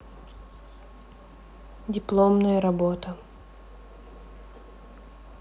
дипломная работа